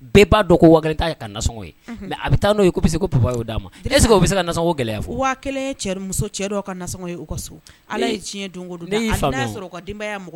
Ka gɛlɛya cɛ ka